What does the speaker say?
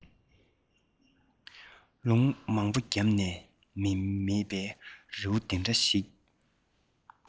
ལུང མང པོ བརྒྱབ ནས མི མེད པའི རི བོ འདི འདྲ ཞིག